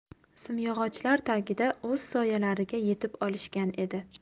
simyog'ochlar tagida o'z soyalariga yetib olishgan edi